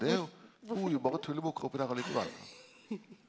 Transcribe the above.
det er jo bor jo berre tullebukkar oppi der likevel.